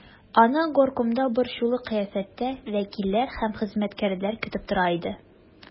Аны горкомда борчулы кыяфәттә вәкилләр һәм хезмәткәрләр көтеп тора иде.